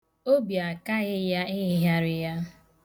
Obi akaghị ya ịhịgharị ya.